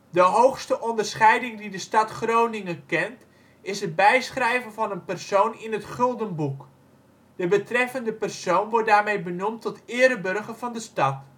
De hoogste onderscheiding die de stad Groningen kent is het bijschrijven van een persoon in het Gulden Boek. De betreffende persoon wordt daarmee benoemd tot ereburger van de stad